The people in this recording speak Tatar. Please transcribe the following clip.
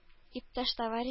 Иптәш-товарищ